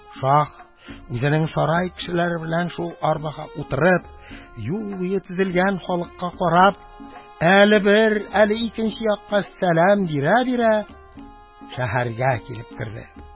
Шаһ, үзенең сарай кешеләре белән шул арбага утырып, юл буе тезелгән халыкка карап, әле бер, әле икенче якка сәлам бирә-бирә, шәһәргә килеп керде.